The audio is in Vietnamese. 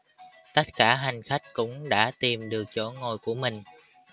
tất cả hành khách cũng đã tìm được chỗ ngồi của mình